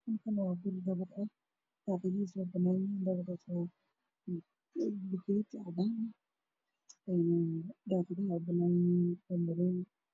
Waa guri dabaq ah aad udheer